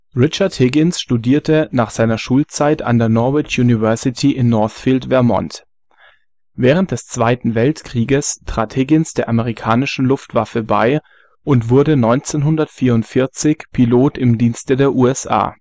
Richard Higgins studierte nach seiner Schulzeit an der Norvich University in Northfield (Vermont). Während des zweiten Weltkrieges trat Higgins der amerikanischen Luftwaffe bei und wurde 1944 Pilot im Dienste der USA